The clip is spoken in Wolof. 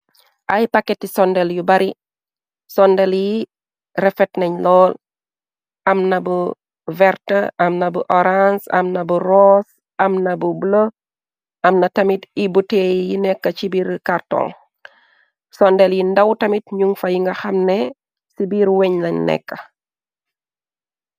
Ay paketi sondel yu bari, sondel yi refet nañ lool, am na bu verte, amna bu orange, amna bu roos, amna bu bule, am na tamit iy buteey yu nekk ci biir càrton, sondel yi ndaw tamit ñuŋ fay, yu nga xamne ci biir weñ lañ nekka.